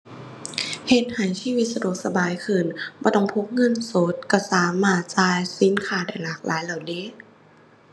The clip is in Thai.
เฮ็ดให้ชีวิตสะดวกสบายขึ้น บ่ต้องพกเงินสดก็สามารถจ่ายสินค้าได้หลากหลายแล้วเด้